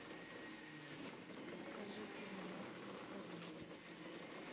покажи фильмы мартина скорсезе